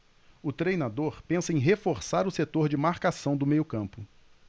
o treinador pensa em reforçar o setor de marcação do meio campo